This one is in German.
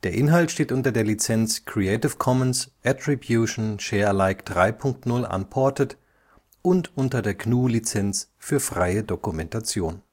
Inhalt steht unter der Lizenz Creative Commons Attribution Share Alike 3 Punkt 0 Unported und unter der GNU Lizenz für freie Dokumentation